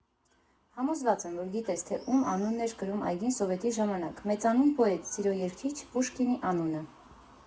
Համոզված եմ, որ գիտես, թե ում անունն էր կրում այգին սովետի ժամանակ՝ մեծանուն պոետ, սիրո երգիչ Պուշկինի անունը։